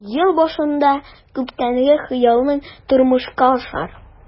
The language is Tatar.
Ел башында күптәнге хыялың тормышка ашар.